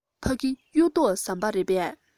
ཕ གི གཡུ ཐོག ཟམ པ རེད པས